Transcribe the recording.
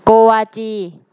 โกวาจี